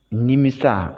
Ni misa